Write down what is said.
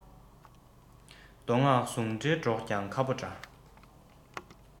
མདོ སྔགས ཟུང འབྲེལ སྒྲོག ཀྱང ཁ ཕོ འདྲ